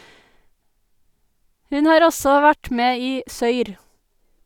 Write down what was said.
Hun har også vært med i Søyr.